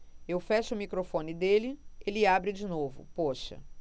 eu fecho o microfone dele ele abre de novo poxa